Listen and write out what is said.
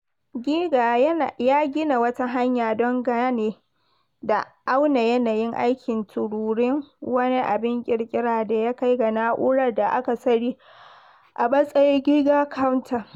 Geiger ya gina wata hanya don gane da auna yanayin aikin tururin, wani abin ƙiƙira daga ya kai ga na’urar da aka sani a matsayin Geiger Counter.